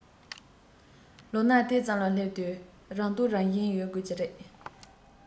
ལོ ན དེ ཙམ ལ སླེབས དུས རང རྟོགས རང བཞིན ཡོད དགོས ཀྱི རེད